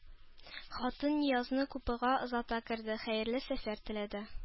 Хатын Ниязны купега озата керде, хәерле сәфәр теләде